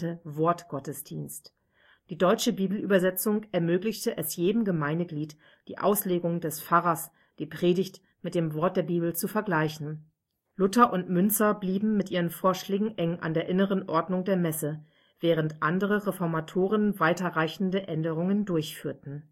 Wortgottesdienst). Die deutsche Bibelübersetzung ermöglichte es jedem Gemeindemitglied, die Auslegung des Pfarrers (Predigt) mit dem Wort der Bibel zu vergleichen. Luther und Müntzer blieben mit ihren Vorschlägen eng an der inneren Ordnung der Messe, während andere Reformatoren weiterreichende Änderungen durchführten